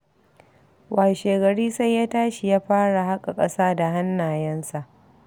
Washe-gari sai ya tashi ya fara haƙa ƙasa da hannayensa.